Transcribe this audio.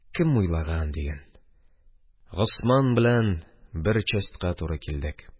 Кем уйлаган диген, Госман белән бер частька туры килдек